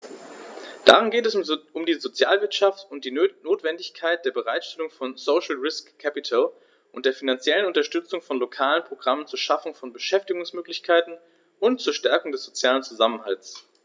Darin geht es um die Sozialwirtschaft und die Notwendigkeit der Bereitstellung von "social risk capital" und der finanziellen Unterstützung von lokalen Programmen zur Schaffung von Beschäftigungsmöglichkeiten und zur Stärkung des sozialen Zusammenhalts.